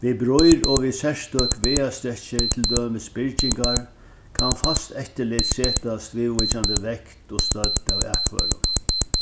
við brýr og við serstøk vegastrekkir til dømis byrgingar kann fast eftirlit setast viðvíkjandi vekt og stødd av akførum